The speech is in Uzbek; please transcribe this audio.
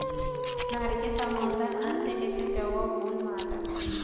narigi tomondan anchagacha javob bo'lmadi